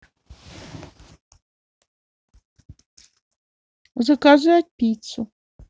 заказать пиццу